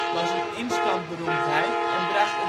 was een instant-beroemdheid en bracht